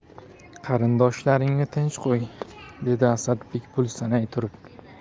qarindoshlaringni tinch qo'y dedi asadbek pul sanay turib